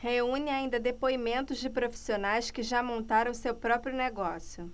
reúne ainda depoimentos de profissionais que já montaram seu próprio negócio